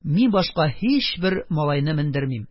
Мин башка һичбер малайны мендермим,